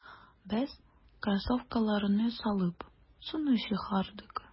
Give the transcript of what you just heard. Без кроссовкаларны салып, суны чыгардык.